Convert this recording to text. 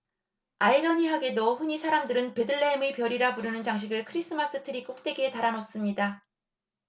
아이러니하게도 흔히 사람들은 베들레헴의 별이라 부르는 장식을 크리스마스트리 꼭대기에 달아 놓습니다